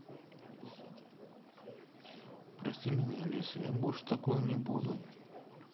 прости меня алиса я больше такое не буду